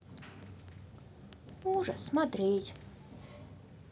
ужас смотреть